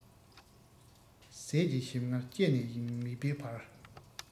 ཟས ཀྱི ཞིམ མངར ལྕེ ནས མིད པའི བར